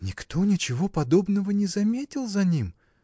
— Никто ничего подобного не заметил за ним!